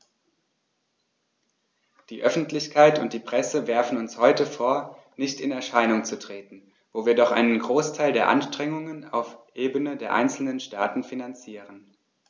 Die Öffentlichkeit und die Presse werfen uns heute vor, nicht in Erscheinung zu treten, wo wir doch einen Großteil der Anstrengungen auf Ebene der einzelnen Staaten finanzieren.